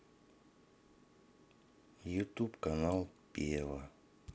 ютуб канал пева